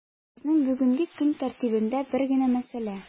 Безнең бүгенге көн тәртибендә бер генә мәсьәлә: